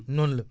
noonu la